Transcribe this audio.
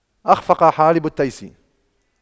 أَخْفَقَ حالب التيس